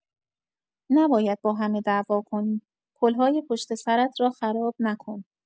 نباید با همه دعوا کنی، پل‌های پشت سرت را خراب نکن.